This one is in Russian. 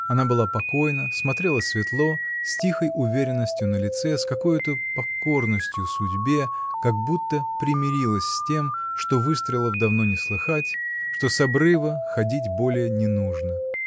Она была покойна, смотрела светло, с тихой уверенностью на лице, с какою-то покорностью судьбе, как будто примирилась с тем, что выстрелов давно не слыхать, что с обрыва ходить более не нужно.